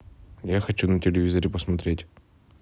я хочу на телевизоре посмотреть